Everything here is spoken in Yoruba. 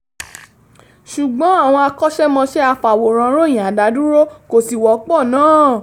Ṣùgbọ́n, àwọn akọ́ṣẹ́mọṣẹ́ afàwòránròyìn adádúró kò sì wọ́pọ̀ náà.